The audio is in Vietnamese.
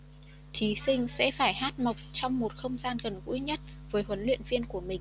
thí sinh sẽ phải hát mộc trong một không gian gần gũi nhất với huấn luyện viên của mình